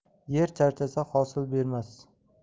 yer charchasa hosil bermas